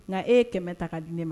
Nka e ye kɛmɛ ta ka di ne ma